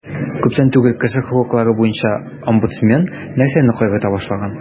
Күптән түгел кеше хокуклары буенча омбудсмен нәрсәне кайгырта башлаган?